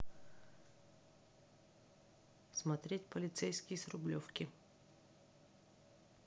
смотреть полицейский с рублевки